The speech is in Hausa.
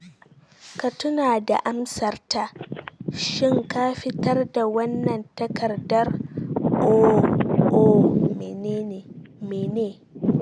Ka tuna da amsarta ... shin ka fitar da wannan takardar - "oh, oh, mene?